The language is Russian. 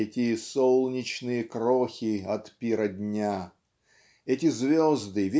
эти "солнечные крохи от пира дня" эти звезды